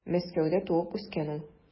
Мәскәүдә туып үскән ул.